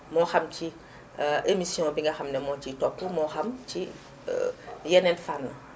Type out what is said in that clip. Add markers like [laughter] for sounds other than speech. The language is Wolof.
moo xam ci [hesitation] émission bi nga xam ni moo siy toppu moo xam ci [hesitation] yeneen fànn